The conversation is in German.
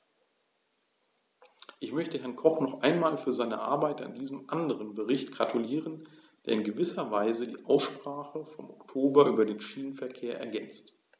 Ich möchte Herrn Koch noch einmal für seine Arbeit an diesem anderen Bericht gratulieren, der in gewisser Weise die Aussprache vom Oktober über den Schienenverkehr ergänzt.